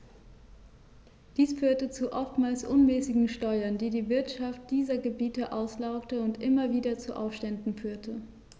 Dies führte zu oftmals unmäßigen Steuern, die die Wirtschaft dieser Gebiete auslaugte und immer wieder zu Aufständen führte.